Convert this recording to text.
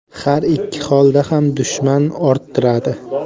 har ikki holda ham dushman orttiradi